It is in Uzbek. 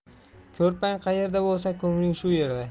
ko'rpang qayerda bo'lsa ko'ngling shu yerda